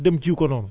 dem jiw ko noonu